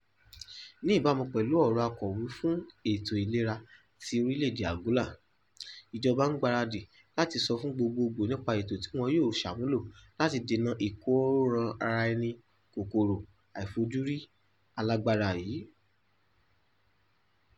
Ní ìbámu pẹ̀lú ọ̀rọ̀ Akọ̀wé fún Ètò Ìlera ti orílẹ̀ èdè Angola, ìjọba ń gbáradì láti sọ fún gbogbogbò nípa ètò tí wọn yóò sàmúlò láti dènà ìkóranraẹni kòkòrò àìfojúrí alágbára yìí.